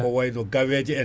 ko wayno gaweje en